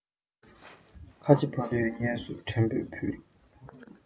ཁ ཆེ ཕ ལུའི བསྙེལ གསོ དྲན པོས ཕུལ